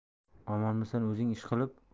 omonmisan o'zing ishqilib